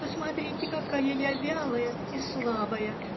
Посмотрите, какая я вялая и слабая